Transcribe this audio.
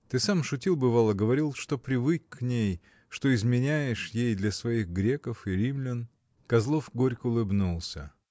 Ты сам шутил, бывало: говорил, что привык к ней, что изменяешь ей для своих греков и римлян. Козлов горько улыбнулся.